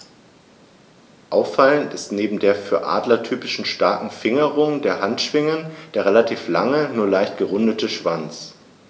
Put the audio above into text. Auffallend ist neben der für Adler typischen starken Fingerung der Handschwingen der relativ lange, nur leicht gerundete Schwanz.